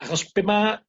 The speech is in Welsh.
achos be' ma'